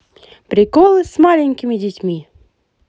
приколы с маленькими детьми